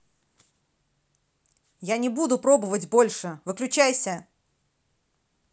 я не буду пробовать больше выключайся